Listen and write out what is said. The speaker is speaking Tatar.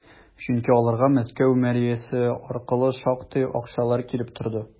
Чөнки аларга Мәскәү мэриясе аркылы шактый акчалар килеп торды.